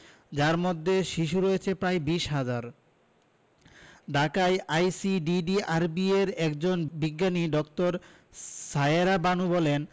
যার মধ্যে শিশু রয়েছে প্রায় ২০ হাজার ঢাকায় আইসিডিডিআরবির একজন বিজ্ঞানী ড. সায়েরা বানু বলেন